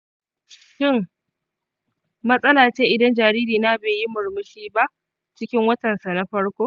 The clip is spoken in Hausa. shin matsala ce idan jaririna bai yi murmushi ba cikin watansa na farko?